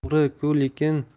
to'g'ri ku lekin